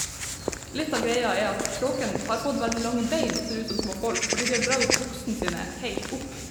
Litt av greia er at kråkene har fått veldig lange bein og ser ut som små folk fordi de har dratt buksene sine heilt opp.